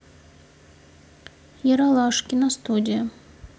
ералаш киностудия